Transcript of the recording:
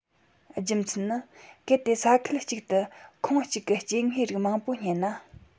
རྒྱུ མཚན ནི གལ ཏེ ས ཁུལ གཅིག ཏུ ཁོངས གཅིག གི སྐྱེ དངོས རིགས མང པོ རྙེད ན